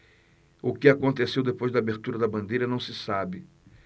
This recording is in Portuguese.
o que aconteceu depois da abertura da bandeira não se sabe